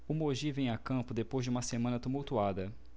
o mogi vem a campo depois de uma semana tumultuada